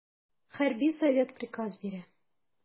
Хәрби совет приказ бирә.